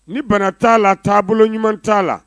Ni bana t'a la taaboloa bolo ɲuman t'a la